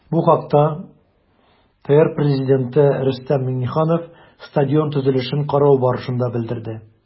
Бу хакта ТР Пррезиденты Рөстәм Миңнеханов стадион төзелешен карау барышында белдерде.